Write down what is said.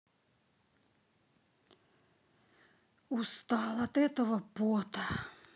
устал от этого пота